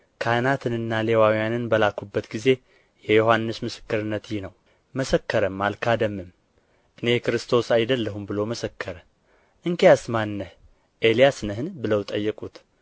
ካህናትንና ሌዋውያንን በላኩበት ጊዜ የዮሐንስ ምስክርነት ይህ ነው መሰከረም አልካደምም እኔ ክርስቶስ አይደለሁም ብሎ መሰከረ እንኪያስ ማን ነህ ኤልያስ ነህን ብለው ጠየቁት